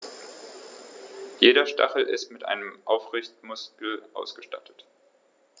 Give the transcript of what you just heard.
Jeder Stachel ist mit einem Aufrichtemuskel ausgestattet.